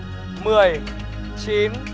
mười chín